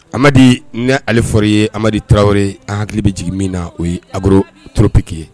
A amadudi ni ale fɔ ye amadudi taraweleri an hakili bɛ jigin min na o ye abu toropki ye